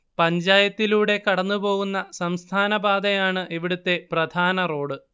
പഞ്ചായത്തിലൂടെ കടന്നുപോകുന്ന സംസ്ഥാനപാതയാണ് ഇവിടുത്തെ പ്രധാന റോഡ്